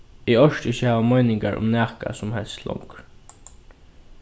eg orki ikki at hava meiningar um nakað sum helst longur